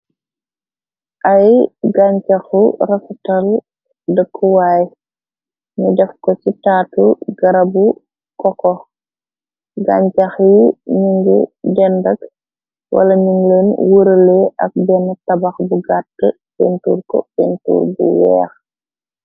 Ay gancaxu rafatal dëkkuwaay ni daf ko ci taatu garabu koko gancax yi ningi dendag wala ningleen wuralee ak benn tabax bu gàtt pentur ko pentur bu weex.